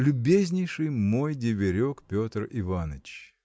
Любезнейший мой деверек Петр Иваныч!